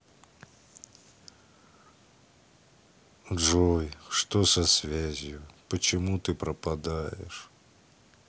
джой что со связью почему ты пропадаешь